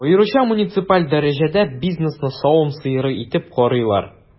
Аеруча муниципаль дәрәҗәдә бизнесны савым сыеры итеп карыйлар.